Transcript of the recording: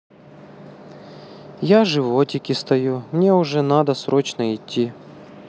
я животеке стою мне уже надо срочно идти